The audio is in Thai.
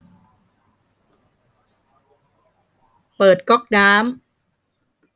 เปิดก๊อกน้ำ